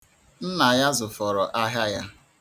Nna ya zụfọrọ ahịa ya.